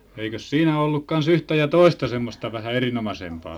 eikös siinä ollut kanssa yhtä ja toista semmoista vähän erinomaisempaa